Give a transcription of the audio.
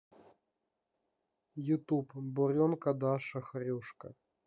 ютуб буренка даша хрюшка